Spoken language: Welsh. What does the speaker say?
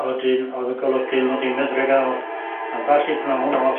A wedyn o'dd y golygy mod i'n medru ca'l ambell i bnawn off